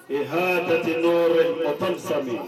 Ee hadati nɔrɔ ye mɔgɔ tansa